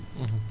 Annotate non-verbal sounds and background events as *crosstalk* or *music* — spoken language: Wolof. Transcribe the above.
*hesitation* *hesitation*